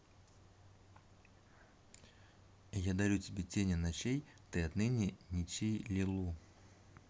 я дарю тебе тени ночей ты отныне ничей лилу